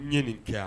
Ɲɛ nin tɛ yan